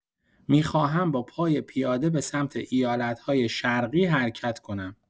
می‌خواهم با پای پیاده به‌سمت ایالت‌های شرقی حرکت کنم.